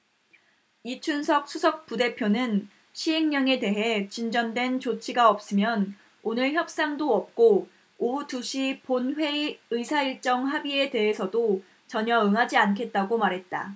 이춘석 수석부대표는 시행령에 대해 진전된 조치가 없으면 오늘 협상도 없고 오후 두 시 본회의 의사일정 합의에 대해서도 전혀 응하지 않겠다고 말했다